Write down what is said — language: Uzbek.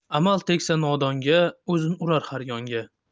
amal tegsa nodonga o'zini urar har yonga